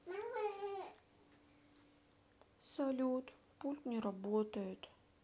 салют пульт не работает